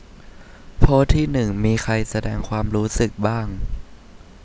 โพสต์ที่หนึ่งมีใครแสดงความรู้สึกบ้าง